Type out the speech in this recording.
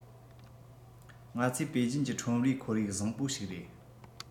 ང ཚོས པེ ཅིན གྱི ཁྲོམ རའི ཁོར ཡུག བཟང པོ ཞིག རེད